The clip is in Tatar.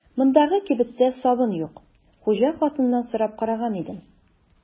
Мондагы кибеттә сабын юк, хуҗа хатыннан сорап караган идем.